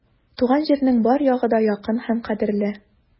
Туган җирнең бар ягы да якын һәм кадерле.